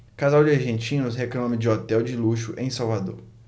casal de argentinos reclama de hotel de luxo em salvador